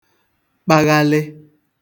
kpaghalị